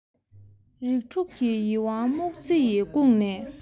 རིགས དྲུག གི ཡིད དབང སྨྱུག རྩེ ཡིས བཀུག ནས